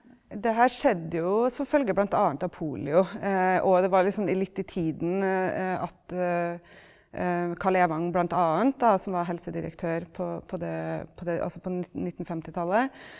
det her skjedde jo som følge bl.a. av polio, og det var liksom litt i tiden at Karl Evang bl.a. da som var helsedirektør på på det på det altså på nittenfemtitallet.